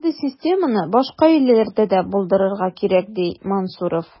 Мондый системаны башка илләрдә дә булдырырга кирәк, ди Мансуров.